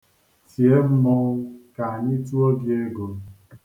Tie mmọnwụ ka anyị tuo gị ego!